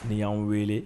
Ni y'anw wele